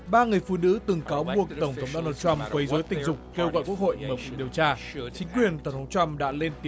ba người phụ nữ từng cáo buộc tổng thống đo nồ trăm quấy rối tình dục kêu gọi quốc hội mở cuộc điều tra sửa chính quyền tổng thống trăm đã lên